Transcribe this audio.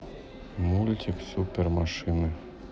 мультик супер машины